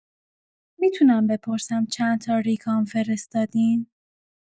می‌تونم بپرسم چندتا ریکام فرستادین؟